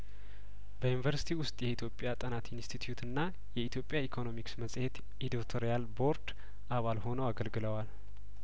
በዩኒቨርስቲ ውስጥ የኢትዮጵያ ጥናት ኢንስቲትዩትና የኢትዮጵያ ኢኮኖሚክስ መጽሄት ኤዶቶ ሪያል ቦርድ አባል ሆነው አገልግለዋል